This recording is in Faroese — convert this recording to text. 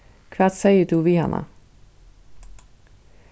hvat segði tú við hana